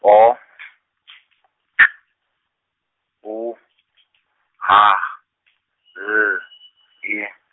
O , K, U , H, L, I.